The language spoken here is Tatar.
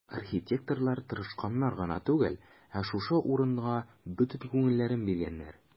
Архитекторлар тырышканнар гына түгел, ә шушы урынга бөтен күңелләрен биргәннәр.